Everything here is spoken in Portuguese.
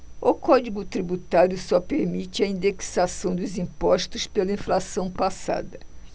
o código tributário só permite a indexação dos impostos pela inflação passada